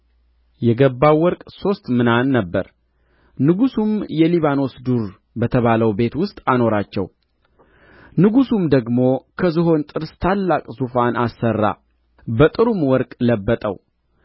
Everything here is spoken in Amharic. የገባው ወርቅ ሦስት ምናን ነበረ ንጉሡም የሊባኖስ ዱር በተባለው ቤት ውስጥ አኖራቸው ንጉሡም ደግሞ ከዝሆን ጥርስ ታላቅ ዙፋን አሠራ በጥሩም ወርቅ ለበጠው